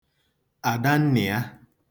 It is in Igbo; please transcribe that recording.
Àdannịa